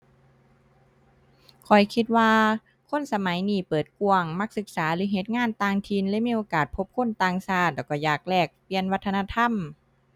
ข้อยคิดว่าคนสมัยนี้เปิดกว้าง มักศึกษาหรือเฮ็ดงานต่างถิ่นเลยมีโอกาสพบคนต่างชาติ แล้วก็อยากแลกเปลี่ยนวัฒนธรรม